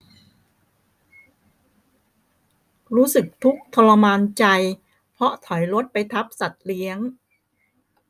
รู้สึกทุกข์ทรมานใจเพราะถอยรถไปทับสัตว์เลี้ยง